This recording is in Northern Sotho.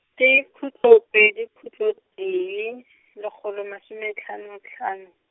tee khutlo, pedi khutlo, tee, legolo masomehlano hlano.